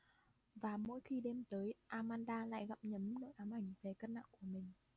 và mỗi khi đêm tới amanda lại gặm nhấm nỗi ám ảnh về cân nặng của mình